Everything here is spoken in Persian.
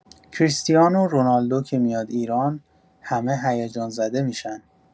کریستیانو رونالدو که میاد ایران، همه هیجان‌زده می‌شن.